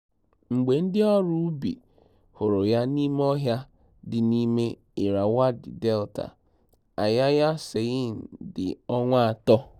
Mgbe ndịọrụ ubi hụrụ ya n'ime ọhịa dị n'ime Irrawaddy Delta, Ayeyar Sein dị ọnwa atọ.